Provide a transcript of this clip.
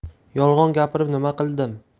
yolg'on gapirib nima qildim